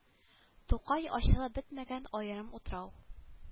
Тукай ачылып бетмәгән аерым утрау